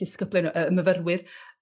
disgyble my- yy myfyrwyr